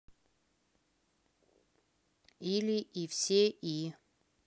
или и все и